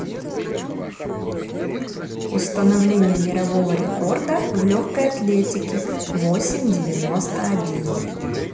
установление мирового рекорда в легкой атлетике восемь девяносто один